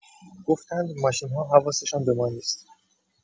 گفتند ماشین‌ها حواسشان به ما نیست.